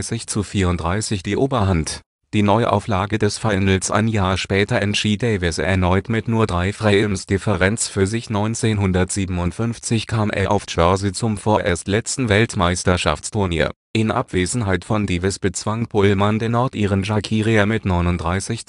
mit 37:34 die Oberhand. Die Neuauflage des Finals ein Jahr später entschied Davis erneut mit nur drei Frames Differenz für sich. 1957 kam es auf Jersey zum vorerst letzten Weltmeisterschaftsturnier. In Abwesenheit von Davis bezwang Pulman den Nordiren Jackie Rea mit 39:34